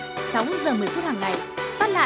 sáu giờ mười phút hàng ngày phát lại